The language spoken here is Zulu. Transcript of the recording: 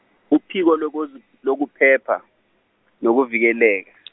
uphiko lokuz- lokuphepha nokuVikeleka .